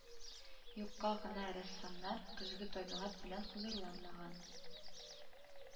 Юкка гына рәссамнар көзге табигать белән хозурланмаган